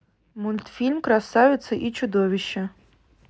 мультфильм красавица и чудовище